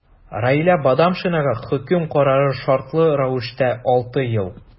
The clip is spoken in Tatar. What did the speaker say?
Раилә Бадамшинага хөкем карары – шартлы рәвештә 6 ел.